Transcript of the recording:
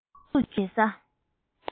མགོ འཛུགས བྱེད ས